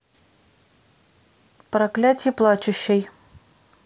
проклятье плачущей